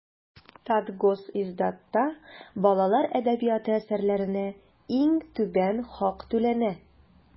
Татгосиздатта балалар әдәбияты әсәрләренә иң түбән хак түләнә.